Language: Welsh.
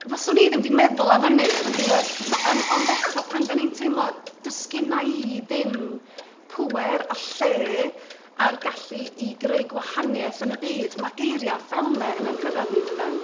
Faswn i ddim 'di meddwl am hynny, dach chi'n gwybod? Ond eto pan dyn ni'n teimlo does gynna i ddim pŵer a lle a'r gallu i greu gwahaniaeth yn y byd, ma' geiriau fel 'na yn ein cyrraedd ni, yn dydan.